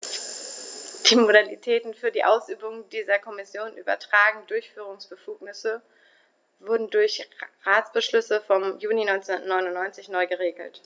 Die Modalitäten für die Ausübung dieser der Kommission übertragenen Durchführungsbefugnisse wurden durch Ratsbeschluss vom Juni 1999 neu geregelt.